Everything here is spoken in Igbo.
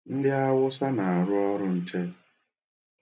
Ndị Awụsa na-arụ ọrụ nche.